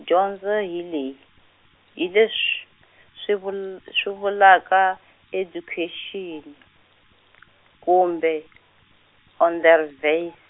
dyondzo hi leyi, hi lesw- swi vul- swi vulaka education, kumbe, onderwys.